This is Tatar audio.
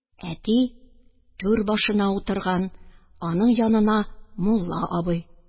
Әти түр башына утырган, аның янына мулла абый